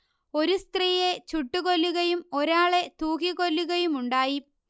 ഒരു സ്ത്രീയെ ചുട്ടുകൊല്ലുകയും ഒരാളെ തൂക്കിക്കൊല്ലുകയുമുണ്ടായി